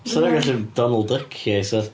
'Sen nhw'n gallu Donald dycio hi 'sa?